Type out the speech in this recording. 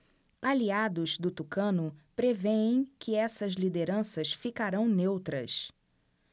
aliados do tucano prevêem que essas lideranças ficarão neutras